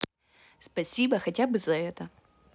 спасибо хотя бы за это